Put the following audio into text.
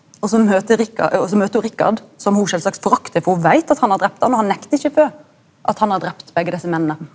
og så møter Rikard og så møter ho Rikard som ho sjølvsagt foraktar for ho veit at han har drepe han og han nektar ikkje for at han har drepe begge desse mennene.